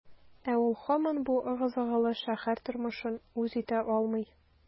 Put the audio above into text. Ә ул һаман бу ыгы-зыгылы шәһәр тормышын үз итә алмый.